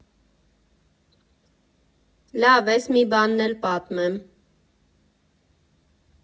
Լավ, էս մի բանն էլ պատմեմ։